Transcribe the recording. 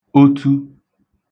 otu